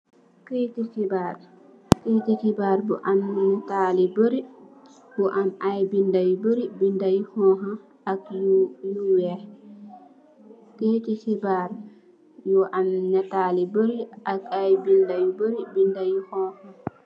Kayiti xibarr bu am nital yu barri , bu am ay binda yu barri . Binda yu xonxa ak yu wèèx.